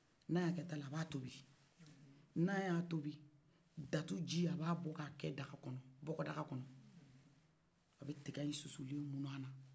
n'a ya tobi n'ya tobi datu ji a b'a bɔ ka kɛ daga kɔnɔ bɔkɔ daga kɔnɔ a bɛ tigɛɲi susu len mun'ala